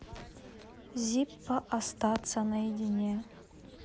зиппо остаться наедине